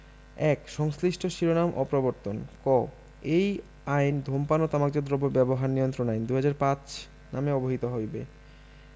১ সংশ্লিষ্ট শিরোনাম ও প্রবর্তন ক এই অঅইন ধূমপান ও তামাকজাত দ্রব্য ব্যবহার নিয়ন্ত্রণ আইন ২০০৫ নামে অভিহিত হইবে